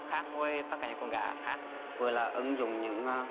khác với tất cả những con gà khác vừa là ứng dụng những a